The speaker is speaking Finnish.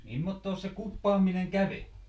mimmottoos se kuppaaminen kävi